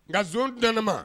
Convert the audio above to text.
Nka zo t nema